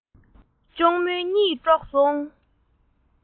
གཅུང མོའི གཉིད དཀྲོགས སོང